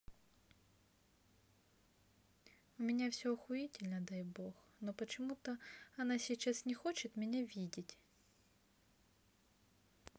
у нее все охуительно дай бог но почему то она сейчас не хочет меня видеть